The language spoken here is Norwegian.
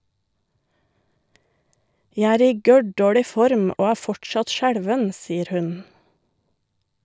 - Jeg er i gørrdårlig form og er fortsatt skjelven, sier hun.